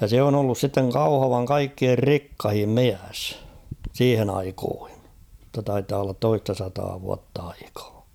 ja se on ollut sitten Kauhavan kaikkien rikkain mies siihen aikoihin mutta taitaa olla toista sataa vuotta aikaa